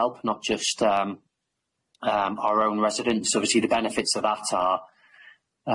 help not just um our own residents obviously the benefits of that are,